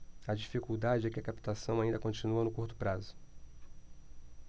a dificuldade é que a captação ainda continua no curto prazo